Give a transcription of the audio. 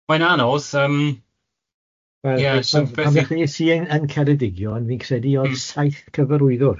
mae'n anodd yym, ie so beth yy... Pan ddechreuais i yn Ceredigion, fi'n credu oedd saith cyfarwyddwr.